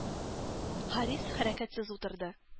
Харис хәрәкәтсез утырды.